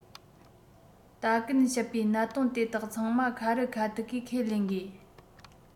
ད གིན བཤད པའི གནད དོན དེ དག ཚང མ ཁ རི ཁ ཐུག གིས ཁས ལེན དགོས